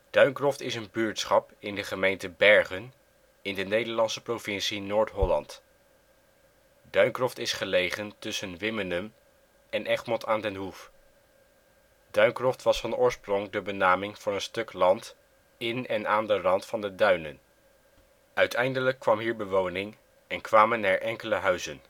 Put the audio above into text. Duyncroft is een buurtschap in de gemeente Bergen in de Nederlandse provincie Noord-Holland. Duyncroft is gelegen tussen Wimmenum en Egmond aan den Hoef. Duyncroft was van oorsprong de benaming voor een stuk land in en aan de rand van de duinen. Uiteindelijk kwam hier bewoning, enkele huizen